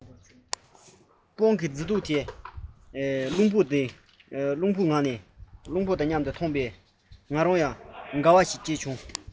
སྤང ཐང གི མཛེས སྡུག ཉི འོད འོག ཏུ རླུང བུ གྲང མོ ཞིག ལྡང བ རྔུལ ཆུས མྱོས པའི བ སྤུ སེམས ཀྱི ངལ བ རྣམས རང བཞིན གྱིས ཞི ནས དགའ བ འཕེལ